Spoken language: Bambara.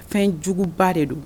Fɛnjuguba de don !